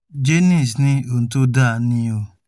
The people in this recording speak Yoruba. Jaynes ní “Ohun tó da ni o.”